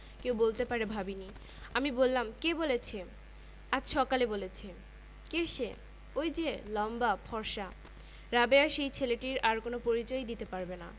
সে আমার কথা মন দিয়ে শুনলো কিছুক্ষণ ধরেই বালিশের গায়ে চাদর জড়িয়ে সে একটা পুতুল তৈরি করছিলো আমার কথায় তার ভাবান্তর হলো না পুতুল তৈরী বন্ধ রেখে লম্বা হয়ে বিছানায় শুয়ে পড়লো